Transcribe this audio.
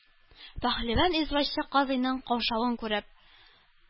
Пәһлеван извозчик, казыйның каушавын күреп,